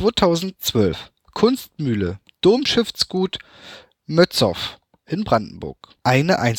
2012: Kunstmühle, Domstiftsgut Mötzow, Brandenburg (EA